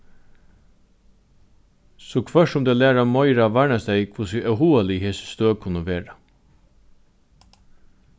so hvørt sum tey læra meira varnast tey hvussu óhugalig hesi støð kunnu vera